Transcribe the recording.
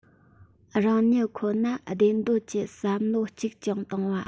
རང ཉིད ཁོ ན བདེ འདོད ཀྱི བསམ བློ གཅིག རྐྱང གཏོང བ